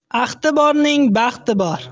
ahdi borning baxti bor